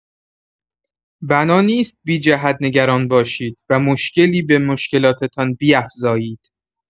بنا نیست بی‌جهت نگران باشید و مشکلی به مشکلاتتان بیفزایید.